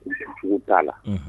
U bɛugu t'a la